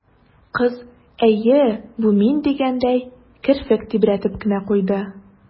Кыз, «әйе, бу мин» дигәндәй, керфек тибрәтеп кенә куйды.